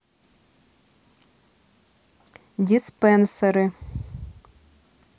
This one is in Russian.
диспенсеры